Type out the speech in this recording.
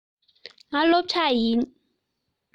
ང སློབ ཕྲུག ཡིན